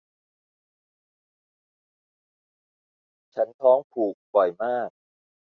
ฉันท้องผูกบ่อยมาก